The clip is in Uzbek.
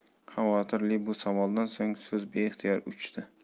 xavotirli bu savoldan so'ng so'z beixtiyor uchdi